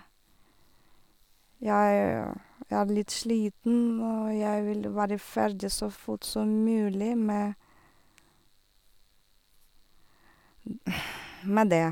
jeg Jeg er litt sliten, og jeg vil være ferdig så fort som mulig med med det.